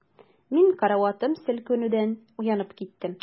Мин караватым селкенүдән уянып киттем.